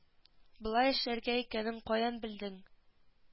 Болай эшләргә икәнен каян белдең